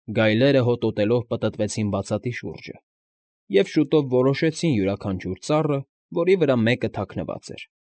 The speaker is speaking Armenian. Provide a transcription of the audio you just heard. Գայլերը հոտոտելով պտտվեցին բացատի շուրջը և շուտով որոշեցին յուրաքանչյուր ծառը, որի վրա որևէ մեկը թաքնված էր։